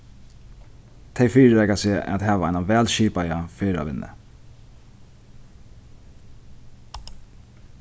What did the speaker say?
tey fyrireika seg at hava eina væl skipaða ferðavinnu